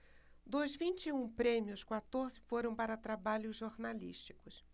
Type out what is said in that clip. dos vinte e um prêmios quatorze foram para trabalhos jornalísticos